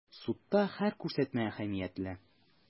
Судта һәр күрсәтмә әһәмиятле.